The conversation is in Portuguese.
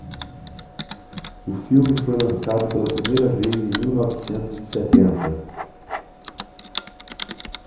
o filme foi lançado pela primeira vez em mil novecentos e setenta